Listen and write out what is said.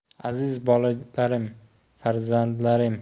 aziz bolalarim farzandlarim